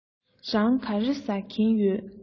རང ག རེ ཟ གིན ཡོད